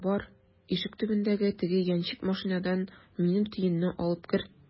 Бар, ишек төбендәге теге яньчек машинадан минем төенне алып кер!